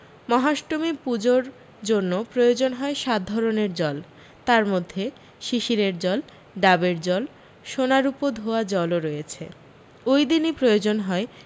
মহাষ্টমী পূজোর জন্য প্রয়োজন হয় সাত ধরণের জল তার মধ্যে শিশিরের জল ডাবের জল সোনা রুপো ধোয়া জলও রয়েছে ওই দিনি প্রয়োজন হয়